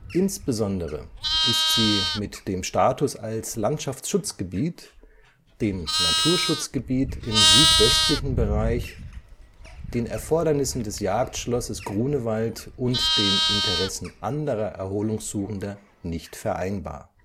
Insbesondere ist sie mit dem Status als Landschaftsschutzgebiet, dem Naturschutzgebiet im südwestlichen Bereich […], den Erfordernissen des Jagdschlosses Grunewald und den Interessen anderer Erholungssuchender nicht vereinbar